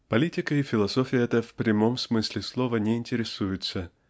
политикой философия эта в прямом смысле слова не интересуется